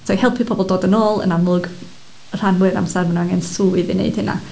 So i helpu pobl dod yn ôl, yn amlwg, rhan fwya o'r amser maen nhw angen swydd i wneud hynna.